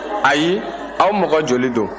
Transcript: ayi aw mɔgɔ joli don